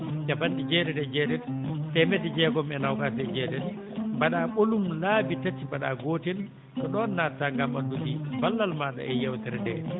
cappanɗe jeetati e jeetati teemedde jeegom e noogaas e jeetati mbaɗaa ɓolum laabi tati mbaɗaa gootel ko ɗoon natataa ngam addude ballal maaɗa e yeewtere ndee